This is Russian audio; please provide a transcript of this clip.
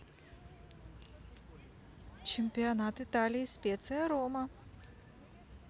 чемпионат италии специя рома